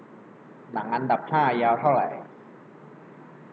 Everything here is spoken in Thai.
หนังอันดับห้ายาวเท่าไหร่